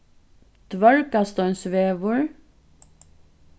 dvørgasteinsvegur